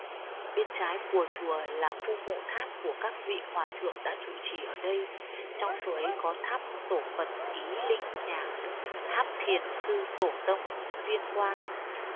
bên trái cùa chùa là khu mộ tháp của các vị hòa thượng đã trụ trì ở đây trong số ấy có tháp tổ phật ý linh nhạc tháp thiền sư tổ tông viên quang